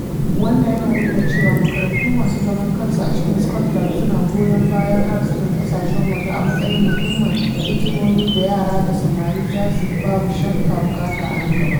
Wannan yana nuna cewa makarantu masu zaman kansu a cikin Scotland suna goyon bayan harsunan ƙasashen waje a matsayin muhimman hikimomi da yara da samari za su babu shakka buƙata a nan gaba.